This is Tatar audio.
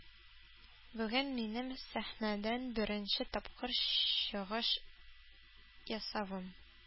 Бүген минем сәхнәдән беренче тапкыр чыгыш ясавым.